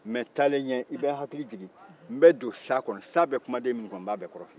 nka taalen ɲɛ i n hakili jigin n bɛ don sa kɔnɔ sa bɛ kumaden minnu kɔnɔ n b'a bɛɛ kɔrɔ fɔ i ye